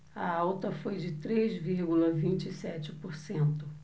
a alta foi de três vírgula vinte e sete por cento